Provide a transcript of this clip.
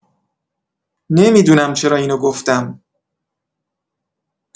نمی‌دونم چرا اینو گفتم.